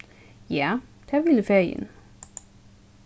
ja tað vil eg fegin